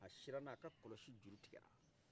a sila n' a ye a ka kɔlɔsi juru tigɛ la